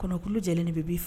Kɔnɔkulu lajɛlenlen b'i faga